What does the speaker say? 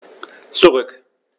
Zurück.